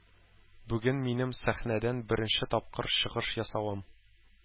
Бүген минем сәхнәдән беренче тапкыр чыгыш ясавым.